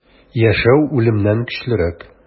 Яшәү үлемнән көчлерәк.